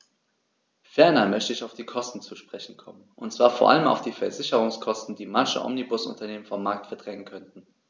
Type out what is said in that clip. Ferner möchte ich auf die Kosten zu sprechen kommen, und zwar vor allem auf die Versicherungskosten, die manche Omnibusunternehmen vom Markt verdrängen könnten.